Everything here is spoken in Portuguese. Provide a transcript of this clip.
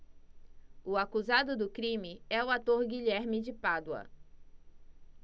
o acusado do crime é o ator guilherme de pádua